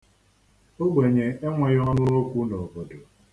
Ogbenye enweghị ọnụ okwu n'obodo.